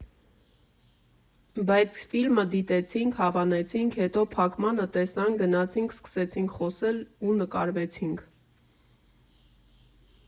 Բայց ֆիլմը դիտեցինք, հավանեցինք, հետո փակմանը տեսանք, գնացինք սկսեցինք խոսել ու նկարվեցինք։